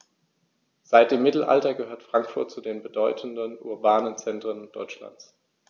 Seit dem Mittelalter gehört Frankfurt zu den bedeutenden urbanen Zentren Deutschlands.